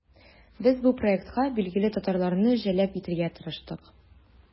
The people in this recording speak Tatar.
Без бу проектка билгеле татарларны җәлеп итәргә тырыштык.